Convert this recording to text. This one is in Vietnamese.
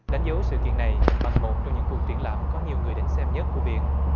đánh dấu sự kiện này bằng một trong những cuộc triển lãm có nhiều người đến xem nhất của viện